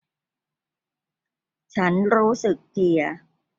ฉันรู้สึกเพลีย